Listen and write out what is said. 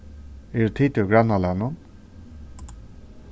eru tit úr grannalagnum